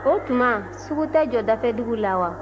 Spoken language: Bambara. o tuma sugu tɛ jɔ dafɛduguw la wa